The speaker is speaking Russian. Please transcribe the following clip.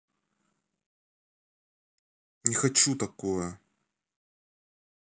не хочу такое